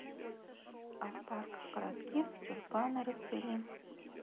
а в парках городских тюльпаны расцвели